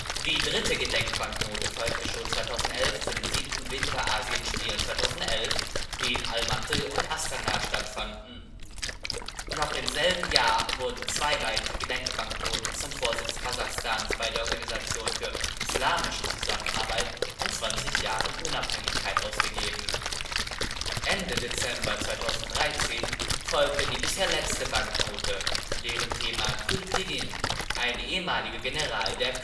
Die dritte Gedenkbanknote folgte schon 2011 zu den siebten Winter-Asienspielen 2011, die in Almaty und Astana stattfanden. Noch im selben Jahr wurden zwei weitere Gedenkbanknoten zum Vorsitz Kasachstans bei der Organisation für Islamische Zusammenarbeit und 20 Jahren Unabhängigkeit ausgegeben. Ende Dezember 2013 folgte die bisher letzte Banknote, deren Thema Kul Tigin, ein ehemaliger General der